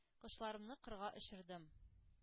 Кошларымны кырга очырдым.